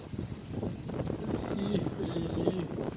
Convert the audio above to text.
си лили